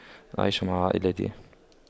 اعيش مع عائلتي